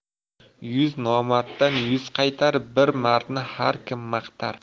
yuz nomarddan yuz qaytar bir mardni har kirn maqtar